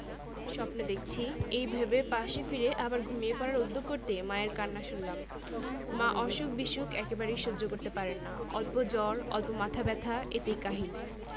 পা নাচাতে নাচাতে সেই নোংরা কথাগুলি আগের চেয়েও উচু গলায় বললো আমি চুপ করে রইলাম বাধা পেলেই রাবেয়ার রাগ বাড়বে গলার স্বর উচু পর্দায় উঠতে থাকবে পাশের বাসার জানালা দিয়ে দুএকটি কৌতুহলী চোখ কি হচ্ছে দেখতে চেষ্টা করবে